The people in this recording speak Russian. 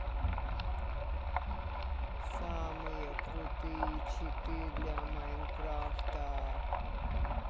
самые крутые читы для майнкрафта